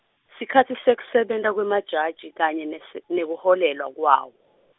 sikhatsi sekusebenta kwemajaji kanye nes- nekuholelwa kwawo.